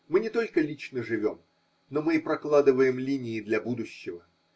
Мы не только лично живем, но мы и прокладываем линии для будущего.